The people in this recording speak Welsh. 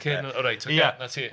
Cyn... Reit, ocê, 'na ti.